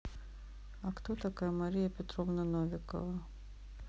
а кто такая мария петровна новикова